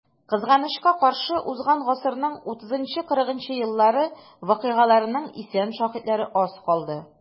Кызганычка каршы, узган гасырның 30-40 еллары вакыйгаларының исән шаһитлары аз калды.